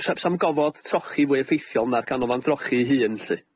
Sa- sa'm gofod trochi fwy effeithiol na'r ganolfan drochi 'i hun lly.